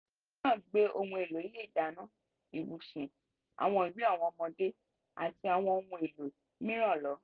Omi náà gbé ohun èlò ilé ìdáná, ibùsùn, àwọn ìwé àwọn ọmọdé, àti àwọn ohun èlò mìíràn lọ.